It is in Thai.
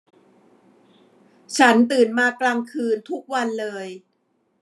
ฉันตื่นมากลางคืนทุกวันเลย